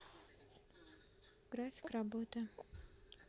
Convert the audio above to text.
график работы